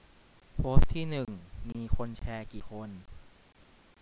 โพสต์ที่หนึ่งมีคนแชร์กี่คน